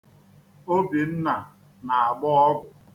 Obinna na-agba ọgwụ.